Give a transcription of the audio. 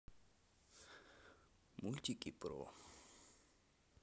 мультики про